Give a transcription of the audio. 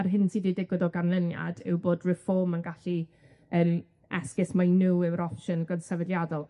A'r hyn sy' 'di digwydd o ganlyniad yw bod Reform yn gallu yym esgus ma' nw yw'r opsiwn gwrth sefydliadol.